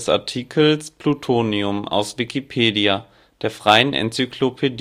Artikel Plutonium, aus Wikipedia, der freien Enzyklopädie